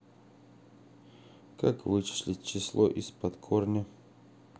как вычислить число из под корня